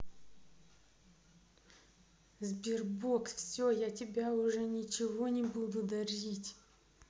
sberbox все я тебя уже ничего не буду дарить